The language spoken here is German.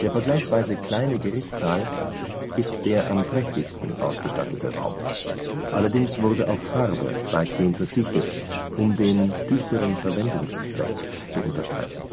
vergleichsweise kleine Gerichtssaal ist der am prächtigsten ausgestattete Raum, allerdings wurde auf Farbe weitgehend verzichtet, um den „ düsteren Verwendungszweck “zu unterstreichen